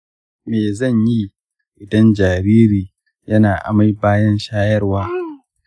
me zan yi idan jariri yana amai bayan shayarwa?